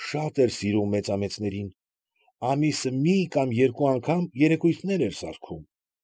Շատ էր սիրում մեծամեծներին։ Ամիսը մի կամ երկու անգամ երեկույթներ էր սարքում։